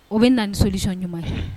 O bɛ na nisolisɔn ɲuman